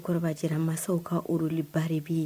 Kɔrɔ jɛrara masaw ka oliba bɛ ye